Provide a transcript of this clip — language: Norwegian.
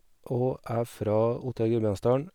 Og er fra Otta i Gudbrandsdalen.